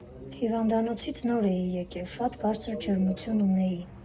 Հիվանդանոցից նոր էի եկել, շատ բարձր ջերմություն ունեի։